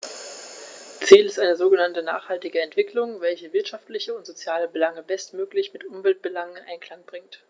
Ziel ist eine sogenannte nachhaltige Entwicklung, welche wirtschaftliche und soziale Belange bestmöglich mit Umweltbelangen in Einklang bringt.